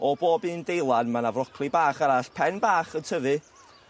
o bob un deilad ma' 'na frocli bach arall pen bach yn tyfu